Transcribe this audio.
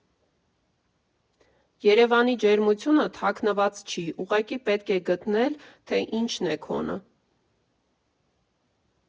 Երևանի ջերմությունը թաքնված չի, ուղղակի պետք է գտնել, թե ինչն է քոնը։